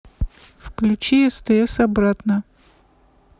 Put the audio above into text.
включи стс обратно